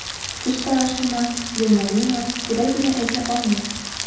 Күз карашымы, елмаюмы – төгәл генә әйтә алмыйм.